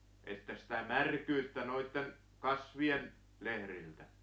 että sitä märkyyttä noiden kasvien lehdiltä